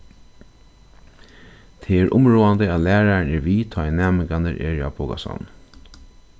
tað er umráðandi at lærarin er við tá ið næmingarnir eru á bókasavninum